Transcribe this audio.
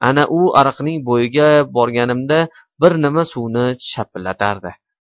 ana u ariqning bo'yiga bor ganimda bir nima suvni shapillatardi